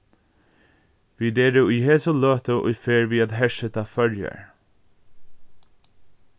vit eru í hesi løtu í ferð við at herseta føroyar